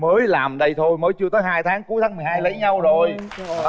mới làm đây thôi mới chưa tới hai tháng cuối tháng mười hai lấy nhau rồi